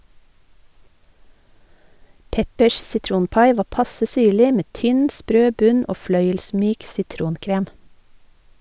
Peppers sitronpai var passe syrlig, med tynn, sprø bunn og fløyelsmyk sitronkrem.